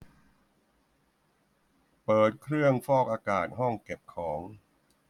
เปิดเครื่องฟอกอากาศห้องเก็บของ